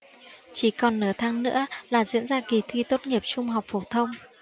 chỉ còn nửa tháng nữa là diễn ra kỳ thi tốt nghiệp trung học phổ thông